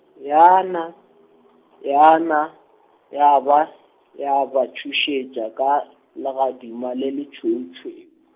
yana , yana, ya ba, ya ba tšhošetša ka, legadima le lešweušweu.